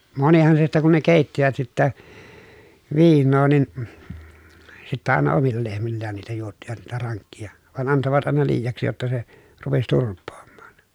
monihan se sitten kun ne keittivät sitten viinaa niin sitten aina omilla lehmillään niitä juottivat niitä rankkeja vaan antoivat aina liiaksi jotta se rupesi turpoamaan